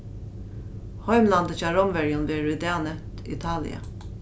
heimlandið hjá rómverjum verður í dag nevnt italia